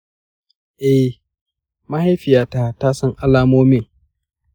eh, mahaifiyata ta san alamomin.